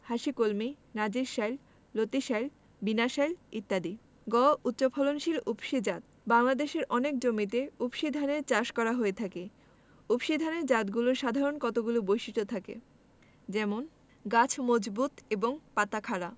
হাসিকলমি নাজির শাইল লতিশাইল বিনাশাইল ইত্যাদি গ উচ্চফলনশীল উফশী জাত বাংলাদেশের অনেক জমিতে উফশী ধানের চাষ করা হয়ে থাকে উফশী ধানের জাতগুলোর সাধারণ কতগুলো বৈশিষ্ট্য থাকে যেমন গাছ মজবুত এবং পাতা খাড়া